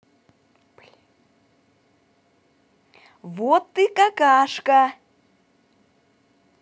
все ты какашка